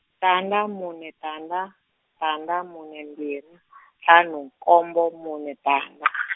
tandza mune tandza, tandza mune mbirhi, ntlhanu nkombo mune tandza.